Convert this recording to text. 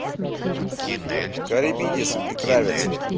карибидис и кравец